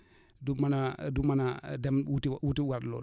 du mën a du mën a dem wuti wuti warloon